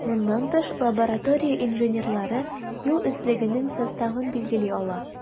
Моннан тыш, лаборатория инженерлары юл өслегенең составын билгели ала.